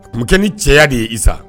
Numukɛ kɛ ni cɛya de yei sa